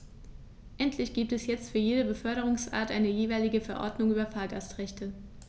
Endlich gibt es jetzt für jede Beförderungsart eine jeweilige Verordnung über Fahrgastrechte.